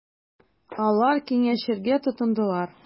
Алар киңәшергә тотындылар.